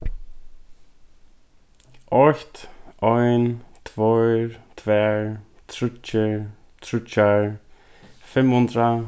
eitt ein tveir tvær tríggir tríggjar fimm hundrað